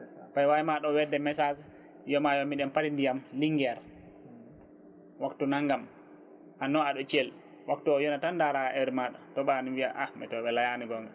ɓeɗe wawma ɗo wedde message wiyoma miɗen paadi ndiyam Linguére waktu naggam an noon aɗaThiel waktu yona tan daara heure maɗa tooɓani mbiya a météo layani gonga